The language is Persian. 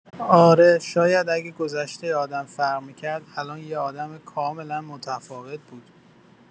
آره، شاید اگه گذشتۀ آدم فرق می‌کرد، الان یه آدم کاملا متفاوت بود.